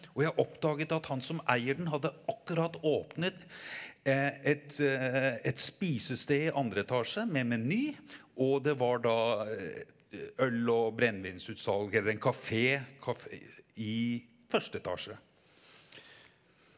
og jeg oppdaget at han som eier den hadde akkurat åpnet et et spisested i andre etasje med meny og det var da øl- og brennevinsutsalg eller en kafé i førsteetasje.